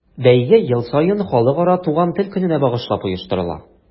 Бәйге ел саен Халыкара туган тел көненә багышлап оештырыла.